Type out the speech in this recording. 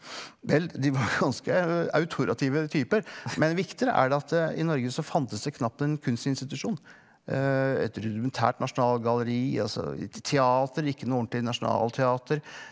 vel de var ganske autorative typer, men viktigere er det at i Norge så fantes det knapt en kunstinstitusjon et rudimentært nasjonalgalleri altså teater ikke noe ordentlig nasjonalteater.